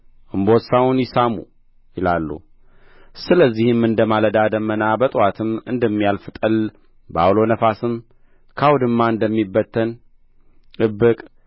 እምቦሳውን ይሳሙ ይላሉ ስለዚህም እንደ ማለዳ ደመና በጥዋትም እንደሚያልፍ ጠል በዐውሎ ነፍስም ከአውድማ እንደሚበተን እብቅ